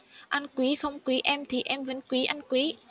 anh quý không quý em thì em vẫn quý anh quý